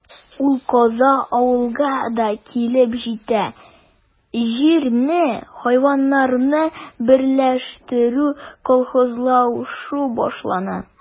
Ул каза авылга да килеп җитә: җирне, хайваннарны берләштерү, колхозлашу башлана.